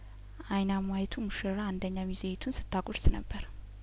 አይናማዪቱ ሙሽራ አንደኛ ሚዜዪቱን ስታጐር ስነበር